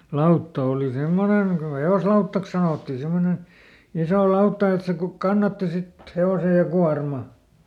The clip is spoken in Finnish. lautta oli semmoinen kun hevoslautaksi sanottiin semmoinen iso lautta että se - kannatti sitten hevosen ja kuorman